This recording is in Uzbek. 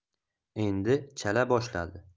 endi chala boshladi